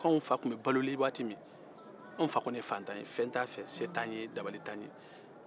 an fa balolen tun don waati min na faantan tun don se t'a ye dabali t'a ye